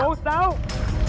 số sáu